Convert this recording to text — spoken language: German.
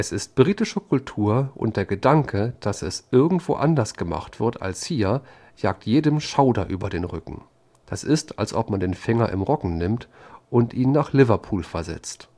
ist britische Kultur, und der Gedanke, dass es irgendwo anders gemacht wird als hier, jagt jedem Schauder über den Rücken. Das ist, als ob man den Fänger im Roggen nimmt und ihn nach Liverpool versetzt